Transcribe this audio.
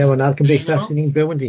Ie wel na'r cymdeithas y'n ni'n byw yndi?